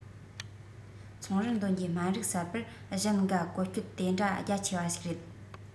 ཚོང རར འདོན རྒྱུའི སྨན རིགས གསར པར གཞན འགའ བཀོལ སྤྱོད དེ འདྲ རྒྱ ཆེ བ ཞིག རེད